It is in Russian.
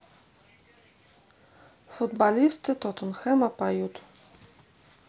футболисты тоттенхэма поют